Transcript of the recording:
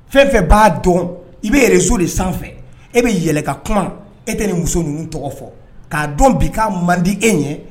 Fɛn fɛn b'a dɔn i bɛ yɛrɛso de sanfɛ e bɛɛlɛnka kuma e tɛ nin muso ninnu tɔgɔ fɔ k'a dɔn bi ka man di e ye